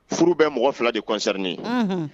Furu bɛɛ mɔgɔ fila de kɔnsɛrinen ye